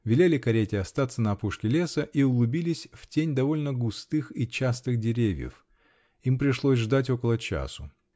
велели карете остаться на опушке леса и углубились в тень довольно густых и частых деревьев. Им пришлось ждать около часу.